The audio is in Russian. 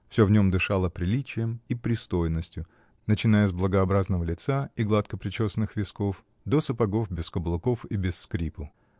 Все в нем дышало приличием и пристойностью, начиная с благообразного лица и гладко причесанных висков до сапогов без каблуков и без скрыпу.